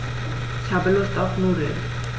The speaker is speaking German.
Ich habe Lust auf Nudeln.